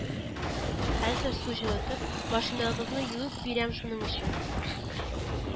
Хәзер су җылытып, машинагызны юып бирәм шуның өчен